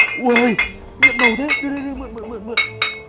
ùi ôi nhiệm mầu thế đưa đưa đưa mượn mượn mượn mượn